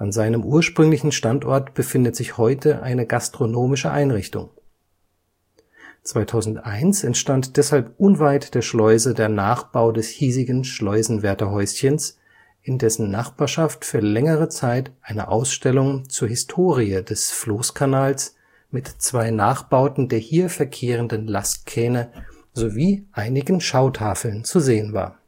seinem ursprünglichen Standort befindet sich heute eine gastronomische Einrichtung. 2001 entstand deshalb unweit der Schleuse der Nachbau des hiesigen Schleusenwärterhäuschens, in dessen Nachbarschaft für längere Zeit eine Ausstellung zur Historie des „ Floßkanals “mit zwei Nachbauten der hier verkehrenden Lastkähne sowie einigen Schautafeln zu sehen war